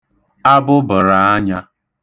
abụbə̣̀ràanyā